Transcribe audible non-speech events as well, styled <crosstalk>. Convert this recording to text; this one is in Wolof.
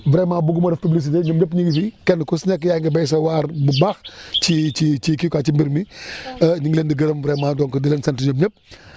vraiment bëgguma def publicité ñoom ñëpp ñu ngi fi kenn ku si nekk yaa ngi béy sa waar bu baax <breath> ci ci kii quoi ci mbir mi <breath> <hesitation> ñu ngi leen di gërëm vraiment donc di leen sant ñoom ñëpp <breath>